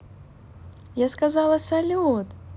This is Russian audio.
я сказала салют